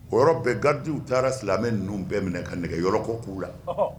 O yɔrɔ bɛɛ gadiw taara silamɛmɛ ninnu bɛɛ minɛ ka nɛgɛ yɔrɔ kɔ k'u la